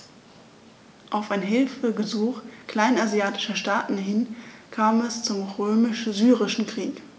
Auf ein Hilfegesuch kleinasiatischer Staaten hin kam es zum Römisch-Syrischen Krieg.